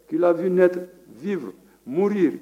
K'ila vɛt v murue